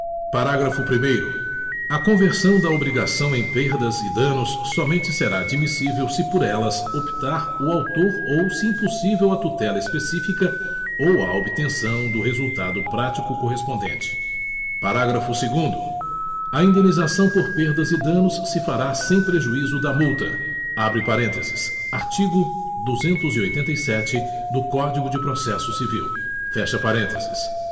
parágrafo primeiro a conversão da obrigação em perdas e danos somente será admissível se por elas optar o autor ou se impossível a tutela específica ou a obtenção do resultado prático correspondente parágrafo segundo a indenização por perdas e danos se fará sem prejuízo da multa abre parênteses artigo duzentos e oitenta e sete do código de processo civil fecha parênteses